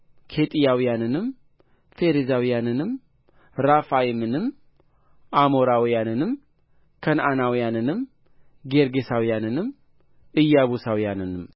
ኬጢያውያንንም ፌርዛውያንንም ራፋይምንም አሞራውያንንም ከነዓናውያንንም ጌርጌሳውያንንም ኢያቡሳውያንንም